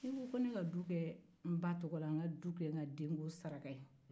eko ko ne ka du kɛ n ba tɔgɔ la nka du kɛ n ka denko saraka ye